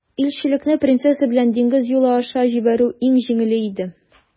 Илчелекне принцесса белән диңгез юлы аша җибәрү иң җиңеле иде.